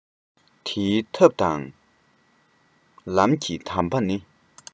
དེའི ཐབས དང ལམ གྱི དམ པ ནི